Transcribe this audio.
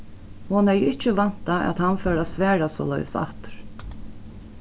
hon hevði ikki væntað at hann fór at svara soleiðis aftur